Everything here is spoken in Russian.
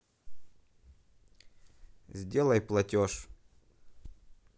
сделай платеж